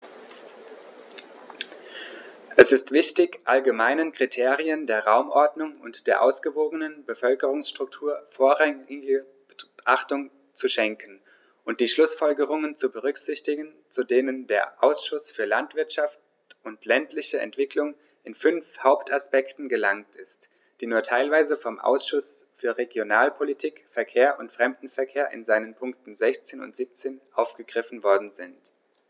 Es ist wichtig, allgemeinen Kriterien der Raumordnung und der ausgewogenen Bevölkerungsstruktur vorrangige Beachtung zu schenken und die Schlußfolgerungen zu berücksichtigen, zu denen der Ausschuss für Landwirtschaft und ländliche Entwicklung in fünf Hauptaspekten gelangt ist, die nur teilweise vom Ausschuss für Regionalpolitik, Verkehr und Fremdenverkehr in seinen Punkten 16 und 17 aufgegriffen worden sind.